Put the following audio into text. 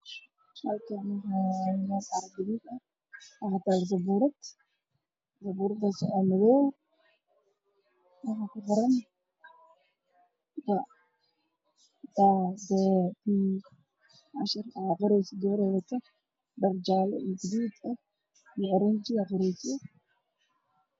Waxaa ii muuqda sabuurad uu hayay qof dumar ama wato diraacigo sawirada waxaa ku qoran wax madow oo qoraal ah